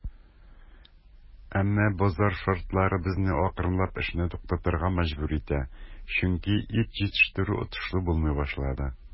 Әмма базар шартлары безне акрынлап эшне туктатырга мәҗбүр итә, чөнки ит җитештерү отышлы булмый башлады.